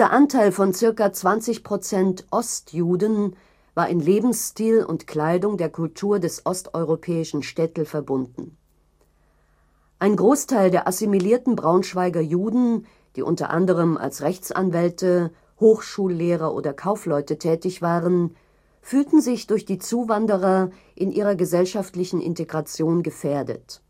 Anteil von ca. 20 %„ Ostjuden “war in Lebensstil und Kleidung der Kultur des osteuropäischen „ Schtetl “verbunden. Ein Großteil der assimilierten Braunschweiger Juden, die u. a. als Rechtsanwälte, Hochschullehrer oder Kaufleute tätig waren, fühlten sich durch die Zuwanderer in ihrer gesellschaftlichen Integration gefährdet